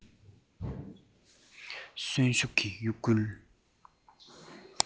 གསོན ཤུགས ཀྱི གཡོ འགུལ